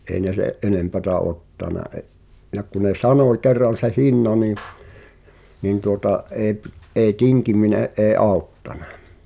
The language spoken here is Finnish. ei ne sen enempää ottanut - ja kun ne sanoi kerran sen hinnan niin niin tuota ei - ei tinkiminen ei auttanut